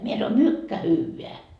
minä sanoin mycket hyvää